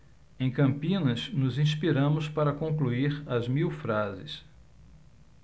em campinas nos inspiramos para concluir as mil frases